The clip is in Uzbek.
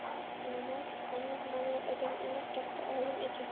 namozov anov manov odam emas katta olim ekan